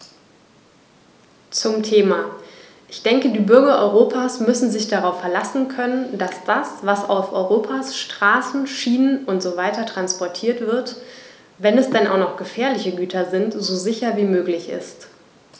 Zum Thema: Ich denke, die Bürger Europas müssen sich darauf verlassen können, dass das, was auf Europas Straßen, Schienen usw. transportiert wird, wenn es denn auch noch gefährliche Güter sind, so sicher wie möglich ist.